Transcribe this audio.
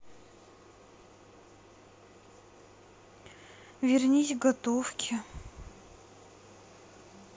вернись к готовке